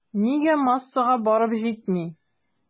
Нигә массага барып җитми?